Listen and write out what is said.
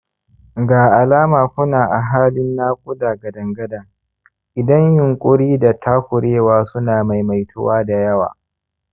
ga alama ku na a halin naƙuda gadan-gadan idan yunƙuri da takurewa su na maimaituwa da yawa